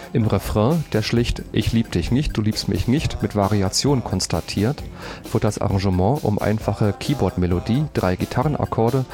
Im Refrain, der schlicht „ Ich lieb dich nicht du liebst mich nicht “mit Variationen konstatiert, wird das Arrangement um eine einfache Keyboardmelodie, drei Gitarrenakkorde